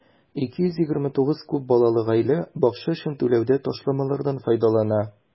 229 күп балалы гаилә бакча өчен түләүдә ташламалардан файдалана.